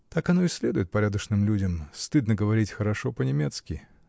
Так оно и следует: порядочным людям стыдно говорить хорошо по-немецки